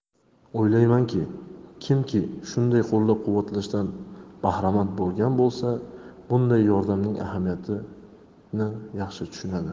o'ylaymanki kimki shunday qo'llab quvvatlashdan bahramand bo'lgan bo'lsa bunday yordamning ahamiyatini yaxshi tushunadi